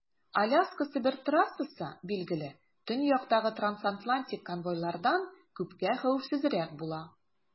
Аляска - Себер трассасы, билгеле, төньяктагы трансатлантик конвойлардан күпкә хәвефсезрәк була.